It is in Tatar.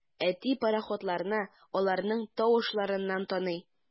Әти пароходларны аларның тавышларыннан таный.